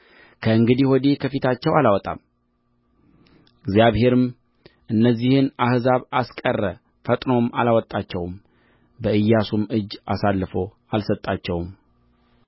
ከእንግዲህ ወዲህ ከፊታቸው አላወጣም እግዚአብሔርም እነዚህን አሕዛብ አስቀረ ፈጥኖም አላወጣቸውም በኢያሱም እጅ አሳልፎ አልሰጣቸውም